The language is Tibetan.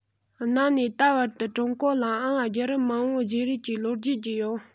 གནའ ནས ད བར དུ ཀྲུང གོ ལའང རྒྱལ རབས མང པོ བརྗེ རེས ཀྱི ལོ རྒྱུས བརྒྱུད ཡོད